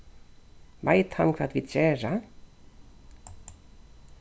veit hann hvat vit gera